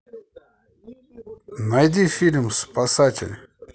найди фильм спаситель